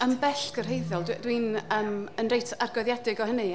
Yn bellgyrhaeddol, dwi dwi'n yym yn reit argyhoeddedig o hynny.